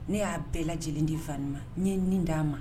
Ne y'a bɛɛ lajɛlen di Van ma ɲe n ni d'a ma